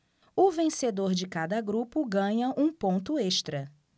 o vencedor de cada grupo ganha um ponto extra